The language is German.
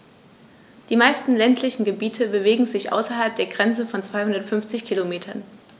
Die meisten ländlichen Gebiete bewegen sich außerhalb der Grenze von 250 Kilometern.